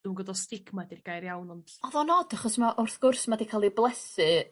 dwi'm gw'od os stigma 'di'r gair iawn ond odd o'n od achos ma' wrth gwrs ma' 'di ca'l 'i blethu